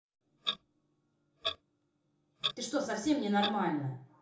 ты что совсем не нормально